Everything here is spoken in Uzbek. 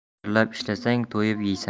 terlab ishlasang to'yib yeysan